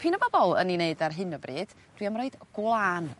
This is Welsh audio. dipyn o bobol yn 'i wneud ar hyn o bryd dwi am roid gwlân